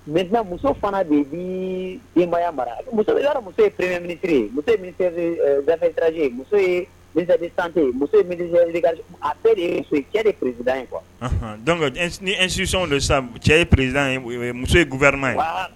Mɛ muso fana de bimaya mara muso muso minisiri musozte muso de cɛ prisid ye kuwa dɔnkuke nisisɔn cɛ perez muso gu v ye